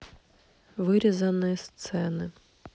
вырезанные сцены